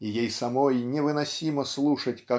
и ей самой невыносимо слушать